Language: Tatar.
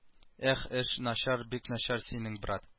Эх эш начар бик начар синең брат